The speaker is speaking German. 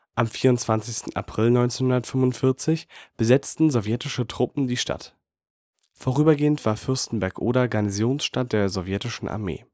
Am 24. April 1945 besetzten sowjetische Truppen die Stadt. Vorübergehend war Fürstenberg (Oder) Garnisonsstadt der sowjetischen Armee